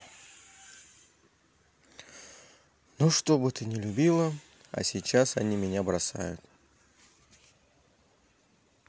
ну чтобы ты не любила а сейчас они меня бросают